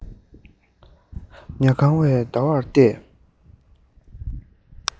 ཉ གང བའི ཟླ བར བལྟས